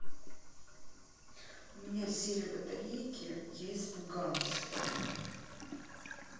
у меня сели батарейки я испугался